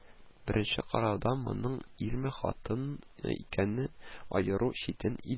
Беренче карауда моның ирме, хатынмы икәнен аеру читен иде